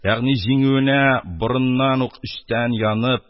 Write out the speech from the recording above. Ягъни җиңүенә борыннан ук эчтән янып,